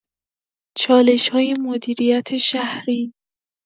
چالش‌های مدیریت شهری